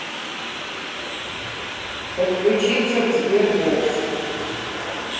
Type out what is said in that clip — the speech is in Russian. подключиться к sberbox